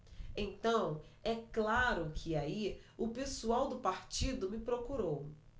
então é claro que aí o pessoal do partido me procurou